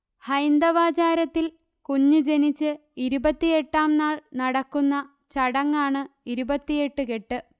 ഹൈന്ദവാചാരത്തിൽ കുഞ്ഞ് ജനിച്ച് ഇരുപത്തിയെട്ടാം നാൾ നടക്കുന്ന ചടങ്ങാണ് ഇരുപത്തിയെട്ട് കെട്ട്